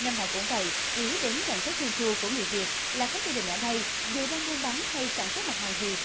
năm nào cũng vậy cứ đến gần tết trung thu của người việt là các gia đình ở đây dù đang buôn bán hay sản xuất mặt hàng gì